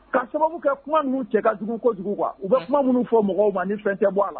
Ka sababu kɛ kuma ninnuu cɛ ka dugu kɔ kojugu kuwa u bɛ kuma minnu fɔ mɔgɔw ma ni fɛn cɛ bɔ a la